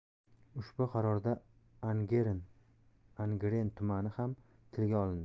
ushbu qarorda angren tumani ham tilga olinadi